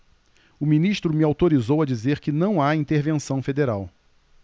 o ministro me autorizou a dizer que não há intervenção federal